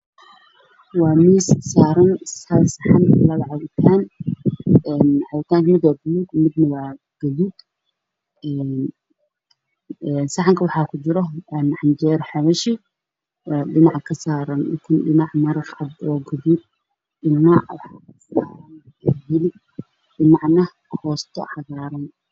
Waa miis waxaa saaran hal saxan iyo labo cabitaan, cabitaanka mid waa gaduud midna waa buluug, saxanka waxaa kujiro canjeelo xabashi oo dhinac kasaaran maraq gaduudan, hilib iyo koosto cagaaran.